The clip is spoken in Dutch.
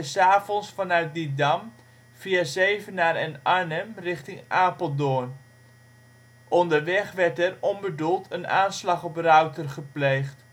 s avonds vanuit Didam, via Zevenaar en Arnhem, richting Apeldoorn. Onderweg werd er (onbedoeld) een aanslag op Rauter gepleegd.